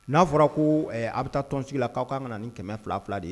N'a fɔra ko a bɛ taa tɔnsigi la k'aw ka kan kana ni 200,200 de ye